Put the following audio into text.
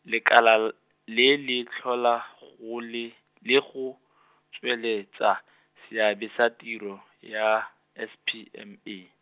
lekala l-, le le tlhola, go le , le go , tsweletsa , seabe sa tiro, ya, S P M A.